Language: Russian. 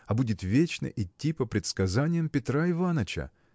а будет вечно идти по предсказаниям Петра Иваныча?